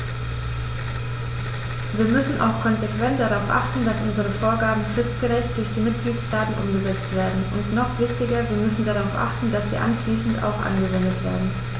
Wir müssen auch konsequent darauf achten, dass unsere Vorgaben fristgerecht durch die Mitgliedstaaten umgesetzt werden, und noch wichtiger, wir müssen darauf achten, dass sie anschließend auch angewendet werden.